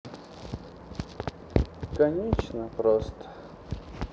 конечно просто